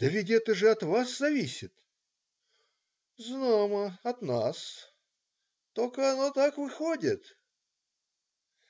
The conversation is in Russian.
"Да ведь это же от вас зависит!" - "Знамо, от нас,- только оно так выходит.